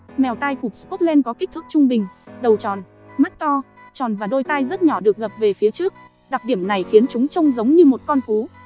mèo tai cụp scotland có kích thước trung bình đầu tròn mắt to tròn và đôi tai rất nhỏ được gập về phía trước đặc điểm này khiến chúng trông giống như một con cú